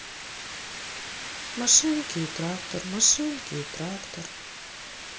машинки и трактор машинки и трактор